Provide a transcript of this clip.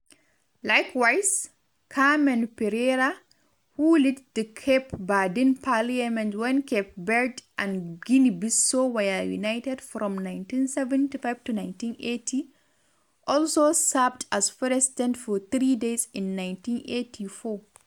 Likewise, Carmen Pereira, who led the Cape Verdean parliament (when Cape Verde and Guinea-Bissau were united) from 1975 to 1980, also served as president for three days in 1984.